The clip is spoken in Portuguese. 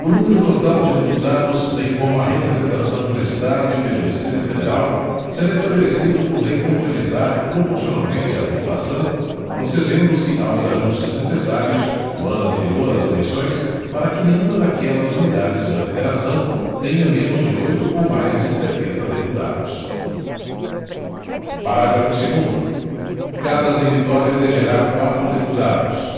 o número total de deputados bem como a representação por estado e pelo distrito federal será estabelecido por lei complementar proporcionalmente à população procedendo se aos ajustes necessários no ano anterior às eleições para que nenhuma daquelas unidades da federação tenha menos de oito ou mais de setenta deputados parágrafo segundo cada território elegerá quatro deputados